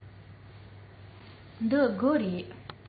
འདི སྒོ རེད